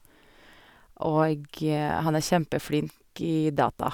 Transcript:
Og han er kjempeflink i data.